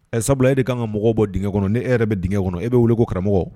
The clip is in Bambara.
Ɛ sabula e de kaan ŋa mɔgɔw bɔ diŋɛ kɔnɔ ni e yɛrɛ be diŋɛ kɔnɔ e be wele ko karamɔgɔ